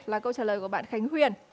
là câu trả lời của bạn khánh huyền